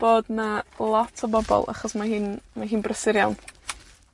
bod 'na lot o bobol achos ma' hi'n, ma' hi'n brysur iawn.